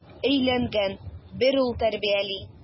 Өйләнгән, бер ул тәрбияли.